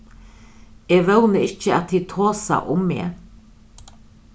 eg vóni ikki at tit tosa um meg